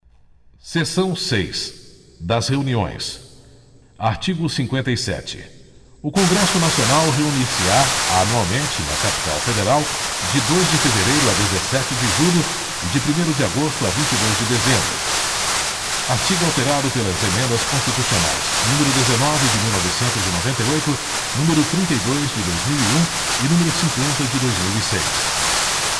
seção seis das reuniões artigo cinquenta e sete o congresso nacional reunir se á anualmente na capital federal de dois de fevereiro a dezessete de julho e de primeiro de agosto a vinte e dois de dezembro artigo alterado pelas emendas constitucionais número dezenove de mil novecentos e noventa e oito número trinta e dois de dois mil e um e número cinqüenta de dois mil e seis